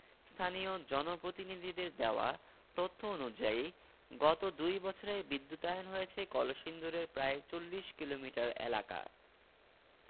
স্থানীয় জনপ্রতিনিধিদের দেওয়া তথ্য অনুযায়ী গত দুই বছরে বিদ্যুতায়ন হয়েছে কলসিন্দুরের প্রায় ৪০ কিলোমিটার এলাকা